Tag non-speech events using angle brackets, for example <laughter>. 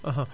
<hesitation> <hesitation>